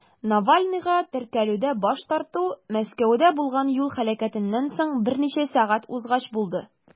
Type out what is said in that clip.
Навальныйга теркәлүдә баш тарту Мәскәүдә булган юл һәлакәтеннән соң берничә сәгать узгач булды.